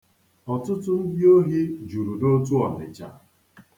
Ọtụtụ ndị ohi juru n'Otu Ọnịcha.